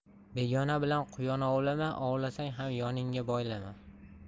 begona bilan quyon ovlama ovlasang ham yoningga boylama